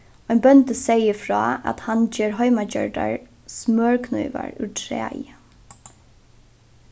ein bóndi segði frá at hann ger heimagjørdar smørknívar úr træi